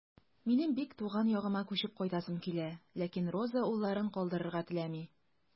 Минем бик туган ягыма күчеп кайтасым килә, ләкин Роза улларын калдырырга теләми.